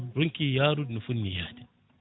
ronki yaarude no foti foti ni yaade